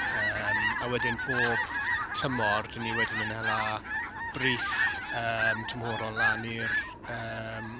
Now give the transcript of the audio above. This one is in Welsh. Yym, a wedyn bob tymor dan ni wedyn yn hala briff yym tymhorol lan i'r yym...